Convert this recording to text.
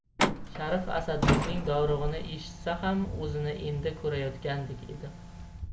sharif asadbekning dovrug'ini eshitsa ham o'zini endi ko'rayotgan edi